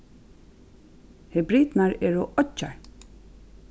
hebridurnar eru oyggjar